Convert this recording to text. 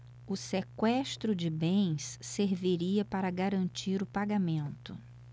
o sequestro de bens serviria para garantir o pagamento